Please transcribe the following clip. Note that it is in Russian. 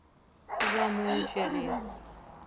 замучали